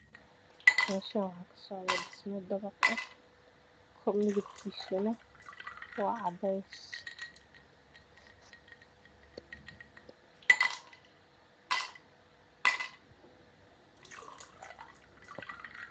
Meshaan wax ka socdo dhismo dabaq eh oo midibkisuna wa cadees